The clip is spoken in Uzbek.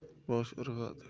bosh irg'adi